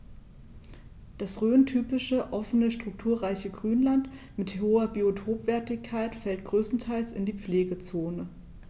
Das rhöntypische offene, strukturreiche Grünland mit hoher Biotopwertigkeit fällt größtenteils in die Pflegezone.